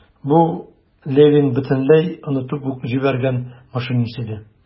Бу - Левин бөтенләй онытып ук җибәргән машинист иде.